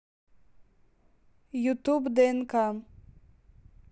ютуб днк